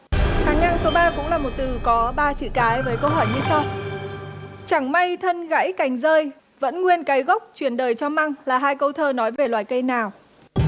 hàng ngang số ba cũng là một từ có ba chữ cái với câu hỏi như sau chẳng may thân gãy cành rơi vẫn nguyên cái gốc truyền đời cho măng là hai câu thơ nói về loài cây nào